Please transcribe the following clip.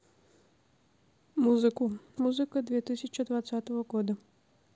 музыку музыка две тысячи двадцатого года